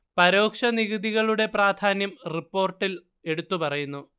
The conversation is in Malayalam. പരോക്ഷ നികുതികളുടെ പ്രാധാന്യം റിപ്പോർട്ടിൽ എടുത്തു പറയുന്നു